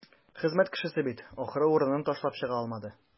Хезмәт кешесе бит, ахры, урынын ташлап чыга алмады.